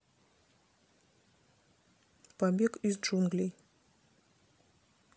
побег из джунглей